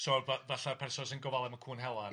So f- falla'r person sy'n gofalu am y cŵn hela ne'...?